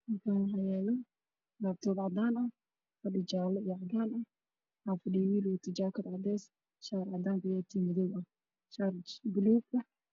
Halkaan waxaa yaalo laabtoob cadaan ah, fadhi jaale iyo cadaan ah, waxaa fadhiyo wiil wato jaakad cadeys , shaar cadaan, tay madow iyo shaar buluug ah.